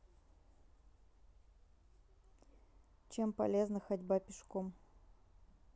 чем полезна ходьба пешком